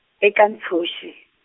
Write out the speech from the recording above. eka Ntshuxi.